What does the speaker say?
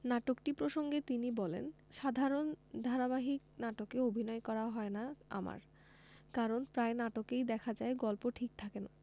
নাটকটি প্রসঙ্গে তিনি বলেন সাধারণত ধারাবাহিক নাটকে অভিনয় করা হয় না আমার কারণ প্রায় নাটকেই দেখা যায় গল্প ঠিক থাকে না